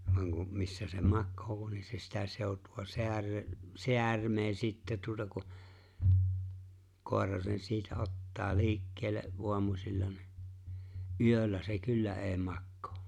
vaan kun missä se makaa vain niin se sitä seutua - säärmää sitten tuota kun koira sen siitä ottaa liikkeelle aamusilla niin yöllä se kyllä ei makaa